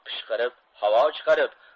pishqirib havo chiqarib